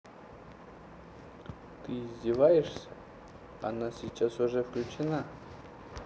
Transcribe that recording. ты издеваешься она сейчас уже включена